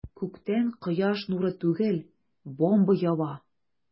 Күктән кояш нуры түгел, бомба ява.